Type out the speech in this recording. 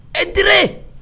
E dir